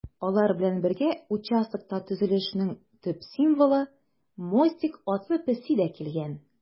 Алар белән бергә участокта төзелешнең төп символы - Мостик атлы песи дә килгән.